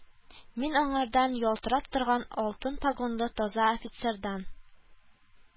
Мин аңардан, ялтырап торган алтын погонлы таза офицердан